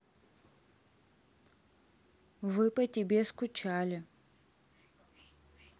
вы по тебе скучали